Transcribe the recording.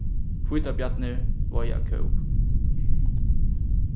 hvítabjarnir veiða kóp